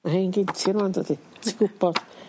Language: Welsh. Ma' rhein gin ti rŵan dydi ti gwbo?